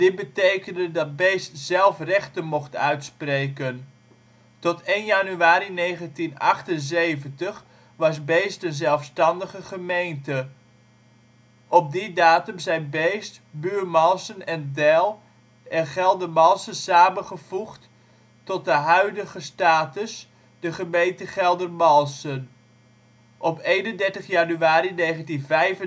betekende dat Beesd zelf rechten mocht uitspreken. Tot 1 januari 1978 was Beesd een zelfstandige gemeente. Op die datum zijn Beesd, Buurmalsen, Deil en Geldermalsen samengevoegd tot de huidige status, de gemeente Geldermalsen. Op 31 januari 1995